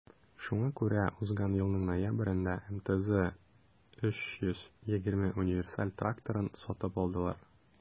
Шуңа күрә узган елның ноябрендә МТЗ 320 универсаль тракторын сатып алдылар.